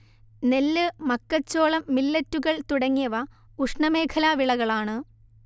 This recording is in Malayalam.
നെല്ല് മക്കച്ചോളം മില്ലെറ്റുകൾ തുടങ്ങിയവ ഉഷ്ണമേഖലാ വിളകളാണ്